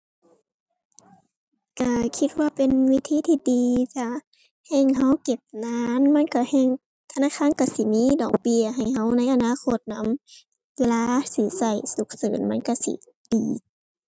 ก็คิดว่าเป็นวิธีที่ดีจ้ะ แฮ่งก็เก็บนานมันก็แฮ่ง ธนาคารก็สิมีดอกเบี้ยให้ก็ในอนาคตนำ เวลาสิก็ฉุกเฉินมันก็สิดี